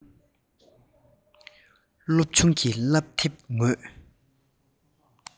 སློབ ཆུང གི བསླབ དེབ ངོས